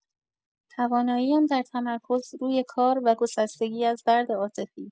توانایی‌ام در تمرکز روی کار و گسستگی از درد عاطفی